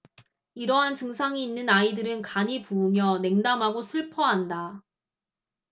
이러한 증상이 있는 아이들은 간이 부으며 냉담하고 슬퍼한다